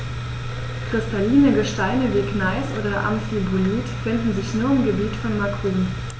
Kristalline Gesteine wie Gneis oder Amphibolit finden sich nur im Gebiet von Macun.